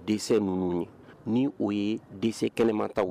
Dɛsɛ ninnu ye ni o ye dɛsɛ kelenman ta